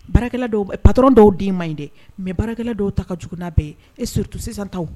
Baarakɛla dɔw, patron dɔw den ma ɲi dɛ mais baarakɛla dɔw ta ka jugun n'a bɛɛ ye, surtout sisan.